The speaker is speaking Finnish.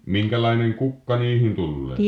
minkälainen kukka niihin tulee